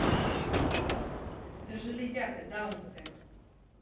ты железяка даунская